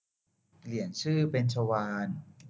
เปลี่ยนชื่อเป็นชวาล